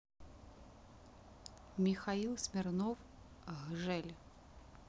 михаил смирнов гжель